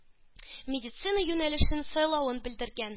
Медицина юнәлешен сайлавын белдергән.